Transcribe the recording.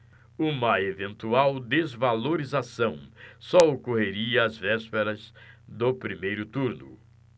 uma eventual desvalorização só ocorreria às vésperas do primeiro turno